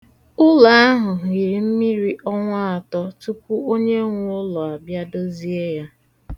Ụlọ ahụ hiri mmiri ọnwa atọ tupu onyenwe ụlọ abịa dozie ya.